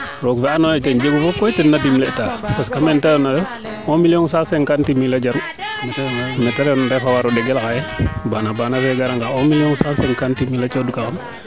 roog fee ando naye ten jegu fop koy ten na dimle taa parce que mene te refna ref un million cent cinquante mille jaru mete refna ref a waro ɗegel xaye bana bana fee gara nga un million cent cinquante mille a coox ka xem